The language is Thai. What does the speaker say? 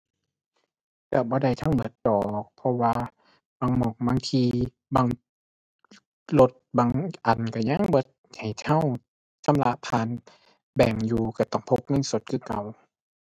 ก็บ่ได้ทั้งเบิดดอก เพราะว่าบางหม้อง บางที่ บางรถ บางอัน ก็ยังแบบให้ก็ชำระผ่านแบงก์อยู่ ก็ต้องพกเงินสดคือเก่า